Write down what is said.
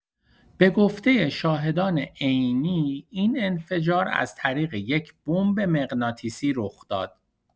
به گفته شاهدان عینی این انفجار از طریق یک بمب مغناطیسی رخ داد.